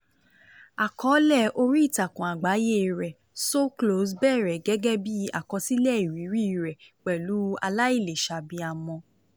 Àkọọ́lẹ̀ oríìtakùn àgbáyé rẹ̀, So Close, bẹ̀rẹ̀ gẹ́gẹ́ bíi àkọsílẹ̀ ìrírí rẹ̀ pẹ̀lú àìlèṣabiyamọ.